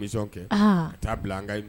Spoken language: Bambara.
Mi nisɔn kɛ a taa bila an ka